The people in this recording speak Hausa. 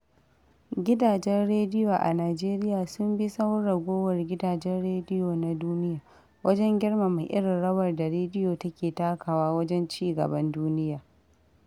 Gidajen rediyo a Nijeriya sun bi sahun ragowar gidajen rediyo na duniya wajen girmama irin rawar da radiyo take takawa wajen ci-gaban duniya.